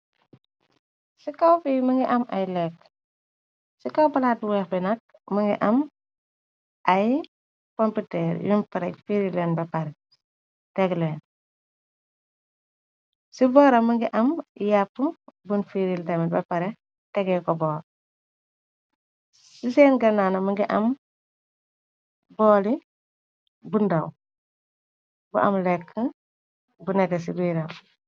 Ci kawf Fi mugi am ay lekk ci kaw palaat bu weex bi nakk mugi am ay pomputëer yun frech fiirileen ba pareh teg leen ci boora ram mugi am yàpp bun fiiril tamit ba parex tegee ko boor ci seen ganaw nak mugi am booli bundaw bu am lekk bu neke ci biiram.